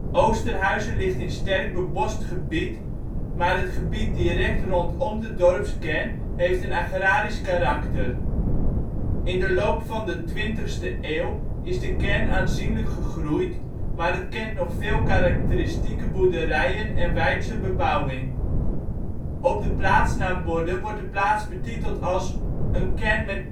Oosterhuizen ligt in sterk bebost gebied, maar het gebied direct rondom de dorpskern heeft een agrarisch karakter. In de loop van de twintigste eeuw is de kern aanzienlijk gegroeid, maar het kent nog veel karakteristieke boerderijen en weidse bebouwing. Op de plaatsnaamborden wordt de plaats betiteld als Een kern met